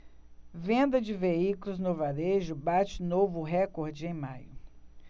venda de veículos no varejo bate novo recorde em maio